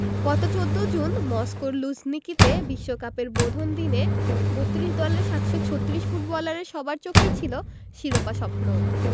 গত ১৪ জুন মস্কোর লুঝনিকিতে বিশ্বকাপের বোধনের দিনে ৩২ দলের ৭৩৬ ফুটবলারের সবার চোখেই ছিল শিরোপা স্বপ্ন